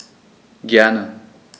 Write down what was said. Gerne.